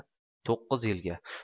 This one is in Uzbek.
to'qqiz yilga